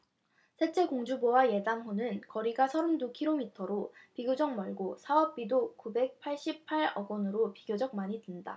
셋째 공주보와 예당호는 거리가 서른 두 키로미터로 비교적 멀고 사업비도 구백 팔십 팔 억원으로 비교적 많이 든다